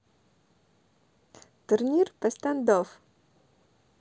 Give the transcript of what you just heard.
турнир по стандофф